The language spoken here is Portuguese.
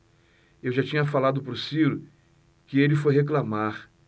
eu já tinha falado pro ciro que ele foi reclamar